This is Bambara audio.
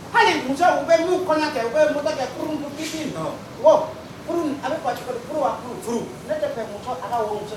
Hali u bɛ'u kɔnɔ kɛ u bɛ kɛ furu ala